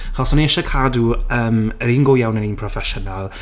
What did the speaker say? Achos o'n i eisiau cadw, yym, yr un go iawn yn un profesiynnol...